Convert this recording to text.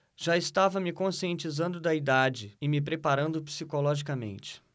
já estava me conscientizando da idade e me preparando psicologicamente